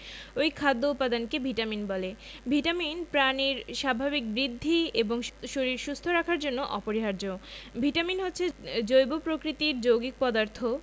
ঐ খাদ্য উপাদানকে ভিটামিন বলে ভিটামিন প্রাণীর স্বাভাবিক বৃদ্ধি এবং শরীর সুস্থ রাখার জন্য অপরিহার্য ভিটামিন হচ্ছে জৈব প্রকৃতির যৌগিক পদার্থ